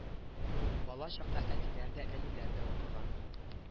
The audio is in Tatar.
Бала чакта әтиләр дә әниләр дә укыган